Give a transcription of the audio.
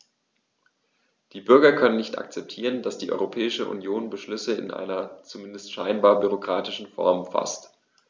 Die Bürger können nicht akzeptieren, dass die Europäische Union Beschlüsse in einer, zumindest scheinbar, bürokratischen Form faßt.